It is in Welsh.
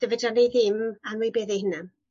so fedran ni ddim anwybeddu hynna.